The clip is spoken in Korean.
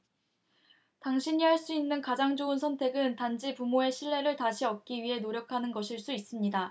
당신이 할 수 있는 가장 좋은 선택은 단지 부모의 신뢰를 다시 얻기 위해 노력하는 것일 수 있습니다